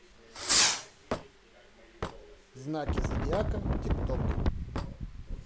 знаки зодиака тик ток